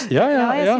ja ja ja.